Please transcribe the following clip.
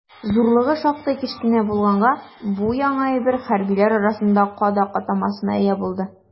Зурлыгы шактый кечкенә булганга, бу яңа әйбер хәрбиләр арасында «кадак» атамасына ия булды.